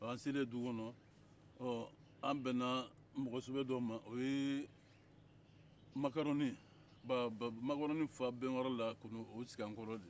an selen dugu kɔnɔ an bɛnna mɔgɔsɛbɛ dɔ ma o ye makarɔni bababa o ye makɔrɔni fa bɛniwari la ka n'o sig'an kɔrɔ de